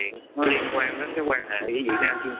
nó liên quan đến